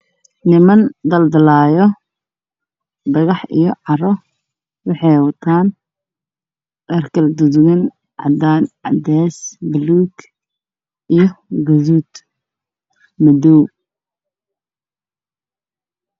Niman daldalaayo dhagax iyo carro